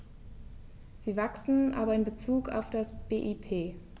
Sie wachsen, aber in bezug auf das BIP.